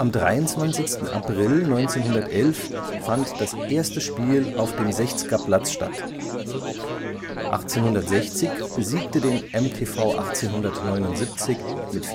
23. April 1911 fand das erste Spiel auf dem Sechzger-Platz statt. 1860 besiegte den MTV 1879 mit